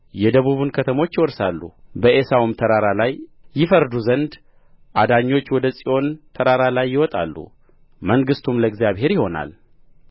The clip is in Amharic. የደቡብን ከተሞች ይወርሳሉ በዔሳውም ተራራ ላይ ይፈርዱ ዘንድ አዳኞች ወደ ጽዮን ተራራ ላይ ይወጣሉ መንግሥቱም ለእግዚአብሔር ይሆናል